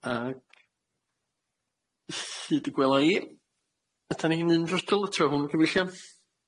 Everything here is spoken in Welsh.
Ag hyd y gwela i rydan ni'n unfrydol y tro hwn gyfeillion.